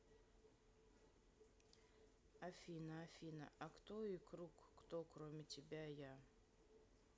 афина афина а кто и круг кто кроме тебя я